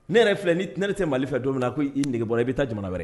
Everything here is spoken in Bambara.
Ne yɛrɛ filɛ ni ne tɛ Mali fɛ don min a ko i nege bɔ i bɛ taa jamana wɛrɛ